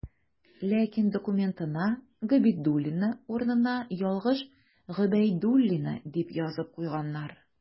Ләкин документына «Габидуллина» урынына ялгыш «Гобәйдуллина» дип язып куйганнар.